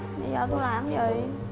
dậy giờ tui làm gì